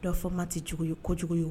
Dɔ fɔ n ma tɛ jugu ye kojugu ye